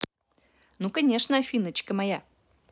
ну конечно афиночка моя